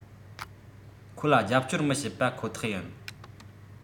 ཁོ ལ རྒྱབ སྐྱོར མི བྱེད པ ཁོ ཐག ཡིན